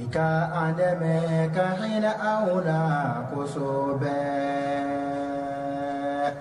Nka ka a dɛmɛ ka yɛlɛ an o la kosɛbɛ